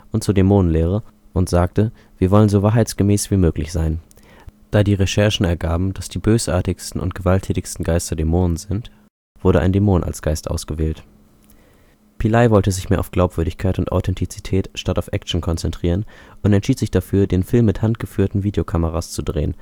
zur Dämonenlehre und sagte: „ Wir wollen so wahrheitsgemäß wie möglich sein. “Da die Recherchen ergaben, dass die bösartigsten und gewalttätigsten Geister Dämonen sind, wurde ein Dämon als Geist ausgewählt. Peli wollte sich mehr auf Glaubwürdigkeit und Authentizität statt auf Action konzentrieren und entschied sich dafür, den Film mit handgeführten Videokameras zu drehen